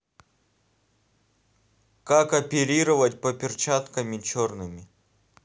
как оперировать по перчатками черными